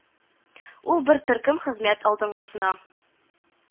Ул бер төркем хезмәт алдынгысына